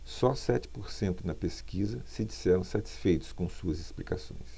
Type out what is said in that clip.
só sete por cento na pesquisa se disseram satisfeitos com suas explicações